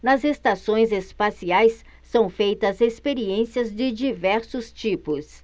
nas estações espaciais são feitas experiências de diversos tipos